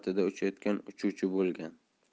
sifatida uchayotgan uchuvchi bo'lgan